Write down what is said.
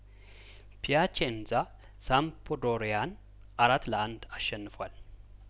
ፒያቼንዛ ሳምፕዶሪያን አራት ለአንድ አሸንፏል